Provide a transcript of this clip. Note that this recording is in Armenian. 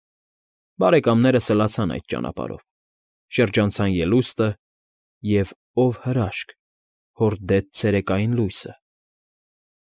Բարեկամները սլացան այդ ճանապարհով, շրջանցեցին ելուստը և… ո՜վ հրաշք,, հորդեց ցերեկային լույսը։